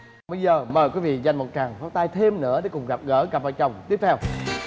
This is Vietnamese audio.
giờ mời quý vị dành một tràng pháo tay thêm nữa để cùng gặp gỡ cặp vợ chồng tiếp theo